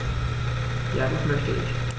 Ja, das möchte ich.